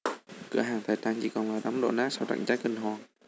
cửa hàng thời trang chỉ còn là đống đổ nát sau trận cháy kinh hoàng